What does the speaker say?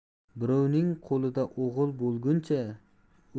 birovning qoiida o'g'il bo'lguncha